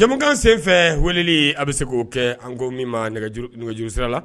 jamukan senfɛ wele a bɛ se k'o kɛ an ko min ma nɛgɛuguj sira la